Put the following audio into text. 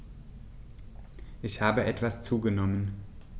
Ich habe etwas zugenommen